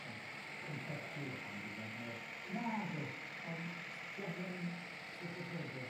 Sa'm pwynt... Confetti. gar efo plant ifanc, nag oes? Nag o's, ond t- ti angen setiau lleder.